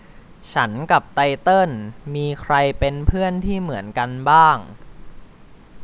ฉันกับไตเติ้ลมีใครเป็นเพื่อนที่เหมือนกันบ้าง